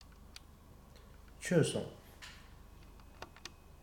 མཆོད སོང